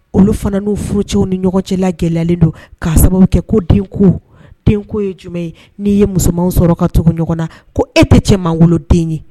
Olu fana' furu cɛww ni ɲɔgɔn cɛla gɛlɛyalen don k'a sababu kɛ ko den ko denko ye jumɛn ye n'i ye musoman sɔrɔ kacogo ɲɔgɔn na ko e tɛ cɛmangoloden ye